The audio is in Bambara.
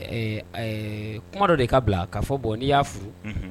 Kuma dɔ de ka bila ka fɔ bon n'i y'a furu